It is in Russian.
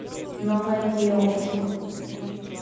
новая киа оптима